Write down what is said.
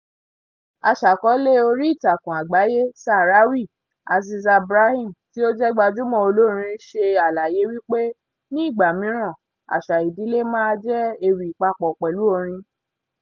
Aṣàkọọ́lẹ̀ oríìtakùn àgbáyé Sahrawi, Aziza Brahim, tí ó jẹ́ gbajúmọ̀ olórin, ṣe àlàyé wí pé ní ìgbà mìíràn àṣà ìdílé máa jẹ́ ewì papọ̀ pẹ̀lú orin.